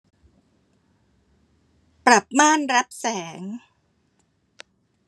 ปรับม่านรับแสง